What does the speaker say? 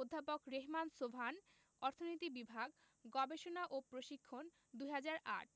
অধ্যাপক রেহমান সোবহান অর্থনীতি বিভাগ গবেষণা ও প্রশিক্ষণ ২০০৮